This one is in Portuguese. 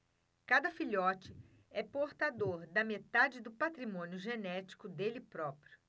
cada filhote é portador da metade do patrimônio genético dele próprio